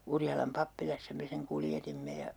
Urjalan pappilassa me sen kuljetimme ja